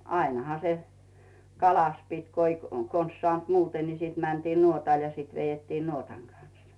ainahan se kala piti kun ei konsa saanut muuten niin sitten mentiin nuotalle ja sitten vedettiin nuotan kanssa